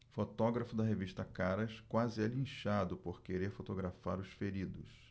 fotógrafo da revista caras quase é linchado por querer fotografar os feridos